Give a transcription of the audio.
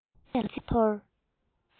ལུས པོ ཡོད ཚད ལ ཐོར